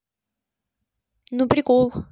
ну прикол